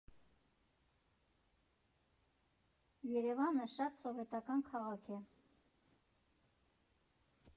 Երևանը շատ սովետական քաղաք է։